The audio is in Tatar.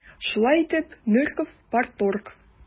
Шулай итеп, Нырков - парторг.